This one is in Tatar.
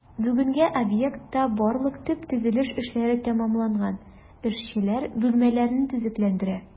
Бүгенгә объектта барлык төп төзелеш эшләре тәмамланган, эшчеләр бүлмәләрне төзекләндерә.